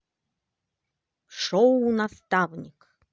шоу наставник